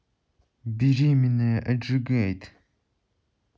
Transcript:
беременная отжигает